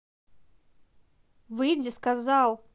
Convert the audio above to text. выйди сказал